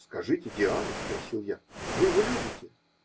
-- Скажите, Диана, -- спросил я, -- вы его любите?